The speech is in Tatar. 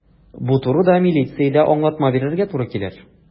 Бу турыда милициядә аңлатма бирергә туры килер.